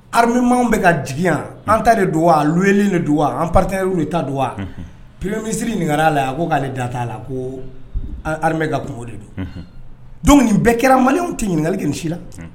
Halima bɛ ka jigiig yan an ta de don wa luli de don wa an patariw de ta don wa peremisiriri ɲininkaka' la ko k'ale da t' a la ko ka kungobo de don don bɛɛ kɛramaw tɛ ɲininkakali si la